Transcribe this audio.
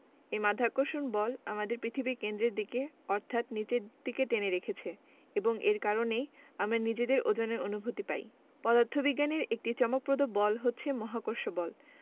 এই মাধ্যাকর্ষণ বল আমাদের পৃথিবীর কেন্দ্রের দিকে অর্থাৎ নিচের দিকে টেনে রেখেছে এবং এর কারণেই আমরা নিজেদের ওজনের অনুভূতি পাই পদার্থবিজ্ঞানের একটি চমকপ্রদ বল হচ্ছে মহাকর্ষ বল